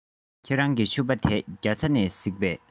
ཁྱེད རང གི ཕྱུ པ དེ རྒྱ ཚ ནས གཟིགས པས